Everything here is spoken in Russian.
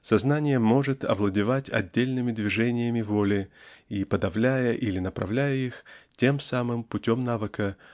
Сознание может овладевать отдельными движениями воли и подавляя или направляя их тем самым путем навыка